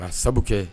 Ka sabu kɛ